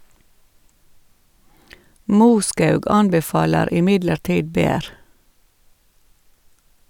Moskaug anbefaler imidlertid bær.